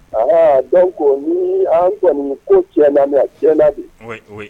Aa den ko ni an kɔni ko cɛ lam cɛ na